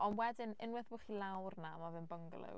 Ond wedyn unwaith bod chi lawr 'na, ma' fe'n bungalow.